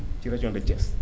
ci région de Thiès